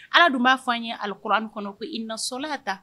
Ala dun ba fɔ an ye alikuranɛ kɔnɔ ko inasolata